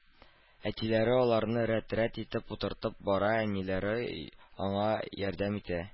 Әтиләре аларны рәт-рәт итеп утыртып бара, әниләре аңа ярдәм итә